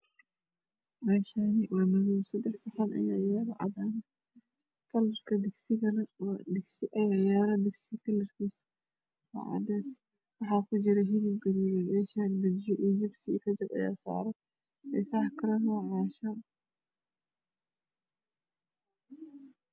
Mishaani waaadow sadax saxan ayaa yaalo cadaan kalarak dig sigane waa waa digsi kalr kiisun waa cadees waxaa ku jir hilib gaduudan mishaan bajiyo jibsi iyo kajab ayaa saran iyo saxan kale